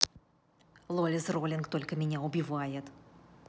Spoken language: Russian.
lollies роллинг только меня убивает